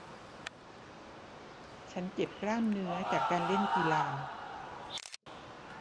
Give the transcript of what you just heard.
ฉันเจ็บกล้ามเนื้อจากการเล่นกีฬา